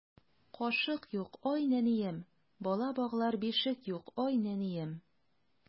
Кашык юк, ай нәнием, Бала баглар бишек юк, ай нәнием.